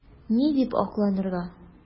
Ни дип акланырга?